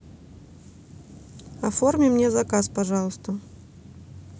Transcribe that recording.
оформи мне заказ пожалуйста